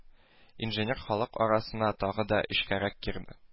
Инженер халык арасына тагы да эчкәрәк кирде